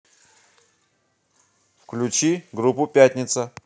включи группу пятница